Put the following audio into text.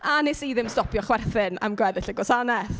A wnes i ddim stopio chwerthin am gweddill y gwasanaeth.